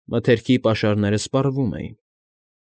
Մթերքի պաշարները սպառվում էին։